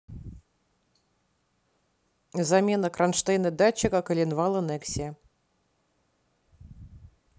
замена кронштейна датчика коленвала нексия